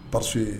Pa so ye